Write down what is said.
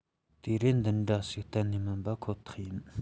དུས རབས འདི འདྲ ཞིག གཏན ནས མིན པ ཁོ ཐག ཡིན